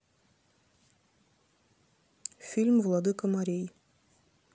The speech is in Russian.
фильм владыка морей